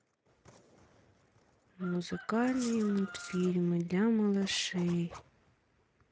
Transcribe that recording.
музыкальные мультфильмы для малышей